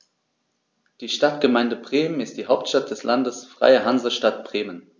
Die Stadtgemeinde Bremen ist die Hauptstadt des Landes Freie Hansestadt Bremen.